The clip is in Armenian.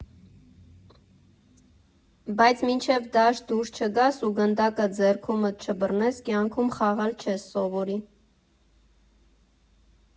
Բայց մինչև դաշտ դուրս չգաս ու գնդակը ձեռքումդ չբռնես, կյանքում խաղալ չես սովորի։